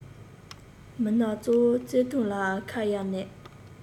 མི སྣ གཙོ བོ བརྩེ དུང ལ ཁ གཡར ནས